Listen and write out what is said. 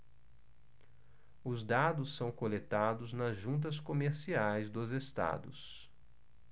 os dados são coletados nas juntas comerciais dos estados